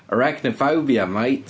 Arachnophobia mate.